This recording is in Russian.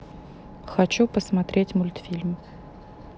хочу посмотреть мультфильм